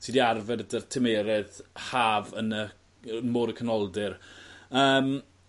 sy 'di arfer 'dy'r tymeredd haf yn y Môr y Canoldir yym